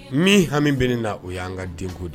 Min hami bɛ na o y ye'an ka denko de